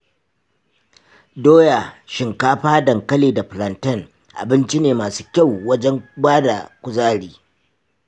doya, shinkafa, dankali, da plantain abinci ne masu kyau wajen ba da kuzari.